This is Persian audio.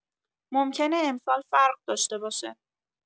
ممکنه امسال فرق داشته باشه.